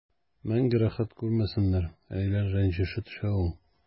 Мәңге рәхәт күрмәсеннәр, әниләр рәнҗеше төшә ул.